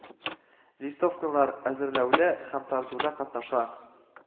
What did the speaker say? Листовкалар әзерләүдә һәм таратуда катнаша